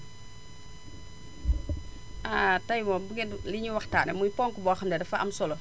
ah tey moom bu ngeen li ñuy waxtaanee muy ponk boo xam ne dafa am solo